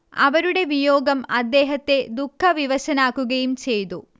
അവരുടെ വിയോഗം അദ്ദേഹത്തെ ദുഃഖവിവശനാക്കുകയും ചെയ്തു